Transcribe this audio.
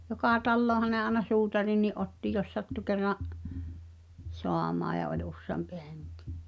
joka taloonhan aina suutarinkin otti jos sattui kerran saamaan ja oli useampi henki